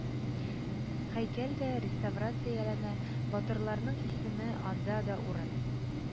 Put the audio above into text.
Һәйкәл дә реставрацияләнә, батырларның исеме анда да урын